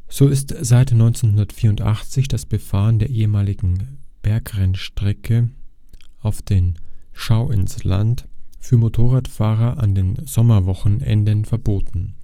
So ist seit 1984 das Befahren der ehemaligen Bergrennstrecke auf den Schauinsland für Motorradfahrer an den Sommerwochenenden verboten